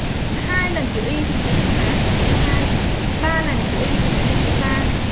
hai lần chữ y thì sẽ được mà số lần thì sẽ được số